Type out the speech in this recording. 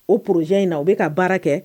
O pjɛ in na u bɛ ka baara kɛ